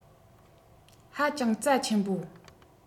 ཧ ཅང རྩ ཆེན པོ